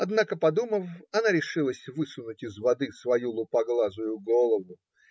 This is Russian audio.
Однако, подумав, она решилась высунуть из воды свою лупоглазую голову